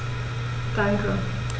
Danke.